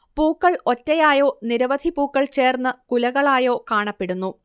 പൂക്കൾ ഒറ്റയായോ നിരവധി പൂക്കൾ ചേർന്ന് കുലകളായോ കാണപ്പെടുന്നു